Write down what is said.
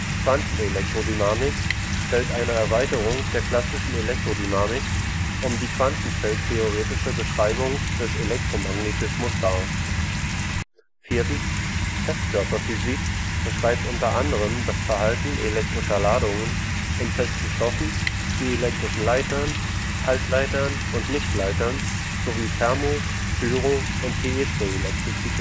Quantenelektrodynamik stellt eine Erweiterung der klassischen Elektrodynamik um die quantenfeldtheoretische Beschreibung des Elektromagnetismus dar. Festkörperphysik beschreibt unter anderem das Verhalten elektrischer Ladungen in festen Stoffen wie elektrischen Leitern, Halbleitern und Nichtleitern, sowie Thermo -, Pyro - und Piezoelektrizität